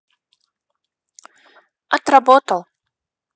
отработал